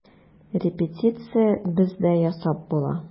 Репетиция бездә ясап була.